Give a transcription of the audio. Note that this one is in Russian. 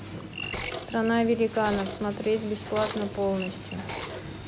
страна великанов смотреть бесплатно полностью